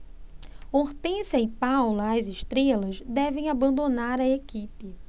hortência e paula as estrelas devem abandonar a equipe